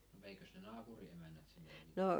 no veikös ne naapurin emännät sinne mitään